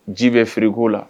Ji bɛ filiko la